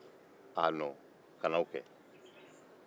kana o kɛ